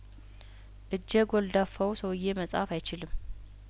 እጀጐልዳፋው ሰውዬ መጻፍ አይችልም